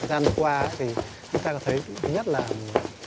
gian vừa qua ấy thì chúng ta có thấy cái thứ nhất là